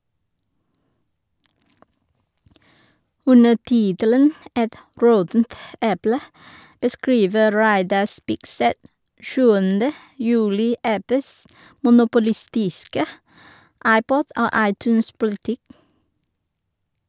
Under tittelen «Et råttent eple» beskriver Reidar Spigseth 7. juli Apples monopolistiske iPod- og iTunes-politikk.